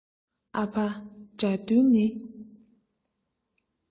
ཨ ཕ དགྲ འདུལ ནི